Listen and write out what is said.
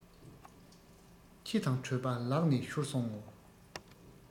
ཁྱི དང གྲོད པ ལག ནས ཤོར སོང ངོ